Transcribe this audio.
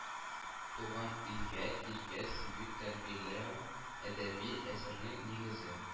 Туган илгә, иргә сөю тәрбияләүәдәби әсәрнең нигезе